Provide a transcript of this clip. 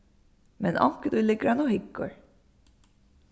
men onkuntíð liggur hann og hyggur